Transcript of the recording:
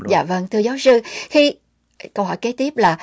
dạ vâng thưa giáo sư khi câu hỏi kế tiếp là